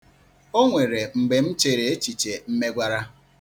O nwere mgbe m chere echiche mmegwara.